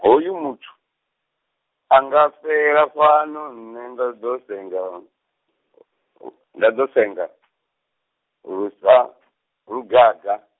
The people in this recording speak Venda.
hoyu muthu, anga fela fhano nṋe nda ḓo senga, nda ḓo senga , lusa , lugaga.